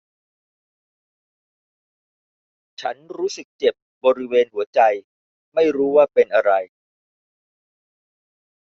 ฉันรู้สึกเจ็บบริเวณหัวใจไม่รู้ว่าเป็นอะไร